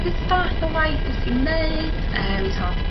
peth fath o waith wt ti'n neud yym t'od